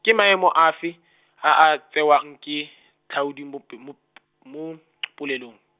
ke maemo a fe, a a tsewang ke, tlhaodi mo pe- mo p- mo, polelong?